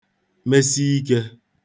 mesi ikē